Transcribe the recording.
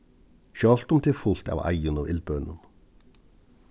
sjálvt um tað er fult av eiðum og illbønum